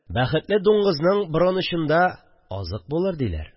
Бәхетле дуңгызның борын очында... азык булыр, диләр